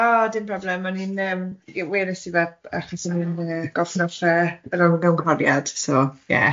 O dim problem, o'n i'n yym wles i fe achos o'n i'n yy gorffen ar tre yy y ymghoriad, so ie.